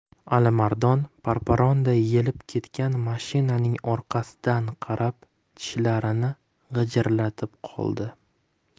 alimardon parparonday yelib ketgan mashinaning orqasidan qarab tishlarini g'ijirlatib qoldi